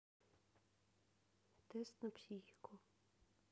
тест на психику